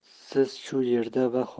siz shu erda va